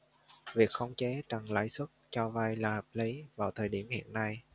việc khống chế trần lãi suất cho vay là hợp lý vào thời điểm hiện nay